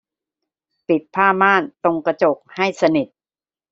ปิดผ้าม่านตรงกระจกให้สนิท